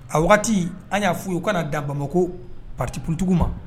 A waati an y'a fɔ u ka na da bamakɔ ko patiptigiw ma